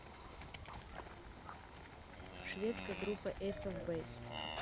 шведская группа ace of base